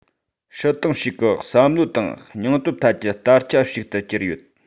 སྲིད ཏང ཞིག གི བསམ བློ དང སྙིང སྟོབས ཐད ཀྱི དར ཆ ཞིག ཏུ གྱུར ཡོད